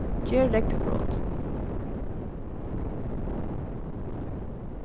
ger reglubrot